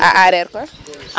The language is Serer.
A aareer koy